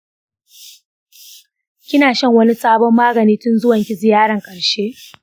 kin sha wani sabon magani tin zuwanki ziyara ƙarshe?